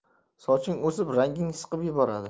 soching o'sib rangingni siqib yuboribdi